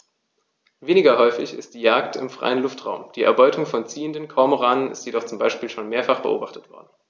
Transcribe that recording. Weniger häufig ist die Jagd im freien Luftraum; die Erbeutung von ziehenden Kormoranen ist jedoch zum Beispiel schon mehrfach beobachtet worden.